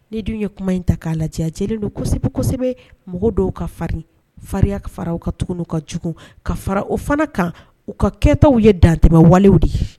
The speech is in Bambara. Ni dun ye kuma in ta k'a lajɛ lajɛlen don kosɛbɛ kosɛbɛ mɔgɔ dɔw ka farin fariya ka faraw ka tugunw ka jugu ka fara o fana kan u ka kɛtaw ye dantɛbawalew de ye